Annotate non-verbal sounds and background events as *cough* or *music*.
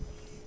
*hesitation* *hesitation*